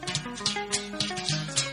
San yo